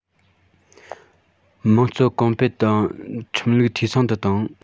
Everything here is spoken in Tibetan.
དམངས གཙོ གོང སྤེལ དང ཁྲིམས ལུགས འཐུས ཚང དུ བཏང